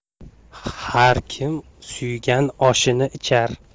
har kim suygan oshini ichar